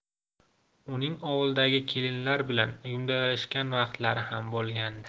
uning ovuldagi kelinlar bilan yumdalashgan vaqtlari ham bo'lgandi